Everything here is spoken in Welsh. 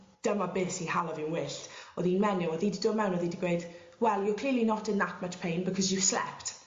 dyma beth sy hala fi'n wyllt o'dd 'i'n menyw o'dd 'i 'di dod mewn o'dd 'i 'di gweud well you're clearly not in that much pain because you've slept!